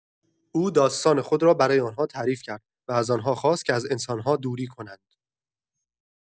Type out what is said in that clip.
او داستان خود را برای آنها تعریف کرد و از آنها خواست که از انسان‌ها دوری کنند.